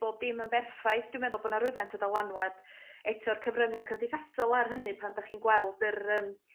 bob dim yn berffaith dwi meddwl bo' na rwfaint o dylanwad eto'r cyfrynga cymdeithasol ar hynny pan dach chi'n gweld yr yym